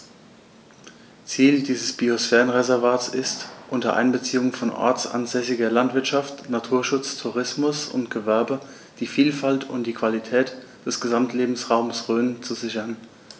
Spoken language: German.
Ziel dieses Biosphärenreservates ist, unter Einbeziehung von ortsansässiger Landwirtschaft, Naturschutz, Tourismus und Gewerbe die Vielfalt und die Qualität des Gesamtlebensraumes Rhön zu sichern.